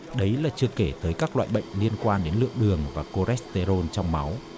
đấy là chưa kể tới các loại bệnh liên quan đến lượng đường và cô rét tơ rôn trong máu